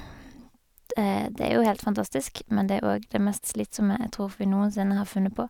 Det er jo helt fantastisk, men det er òg det mest slitsomme jeg tror vi noensinne har funnet på.